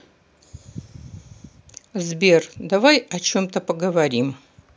сбер давай о чем то поговорим